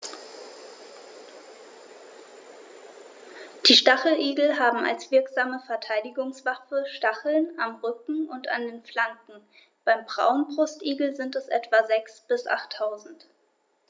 Die Stacheligel haben als wirksame Verteidigungswaffe Stacheln am Rücken und an den Flanken (beim Braunbrustigel sind es etwa sechs- bis achttausend).